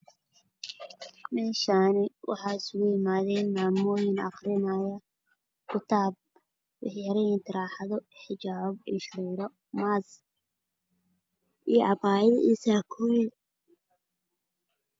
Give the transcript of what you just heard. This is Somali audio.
Meeshan waxaa iskugu imaaday naga akhrinayaan kitaab quraan waxa ay wataan xijaabo taroxdo waana hool